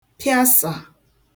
pịasà